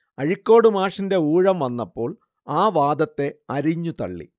അഴീക്കോട് മാഷിന്റെ ഊഴം വന്നപ്പോൾ ആ വാദത്തെ അരിഞ്ഞുതള്ളി